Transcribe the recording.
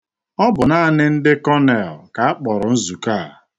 Ọ bụ naanị ndị kọnel ka a kpọrọ nzukọ a.